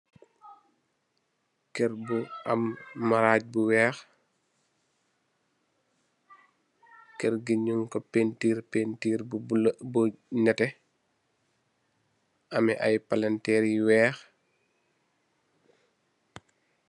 Keer bu am marage bu wekh Kerr gi nyingko penturr penturr bu bula ak neteh ameh ayy palanterr yu wekh.